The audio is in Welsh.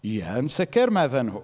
Ie yn sicr, medden nhw.